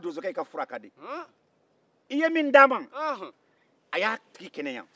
i ye min di an ma a y'a tigi kɛnɛya